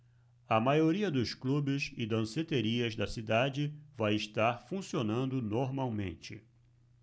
a maioria dos clubes e danceterias da cidade vai estar funcionando normalmente